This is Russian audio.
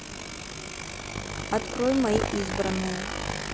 открой мои избранные